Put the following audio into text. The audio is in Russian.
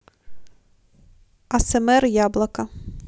асмр яблоко